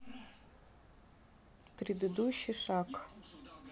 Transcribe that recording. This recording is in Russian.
предыдущий шаг